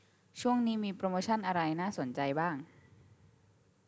ช่วงนี้มีโปรโมชั่นอะไรน่าสนใจบ้าง